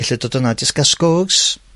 gallu dod yna jys ga'l sgwrs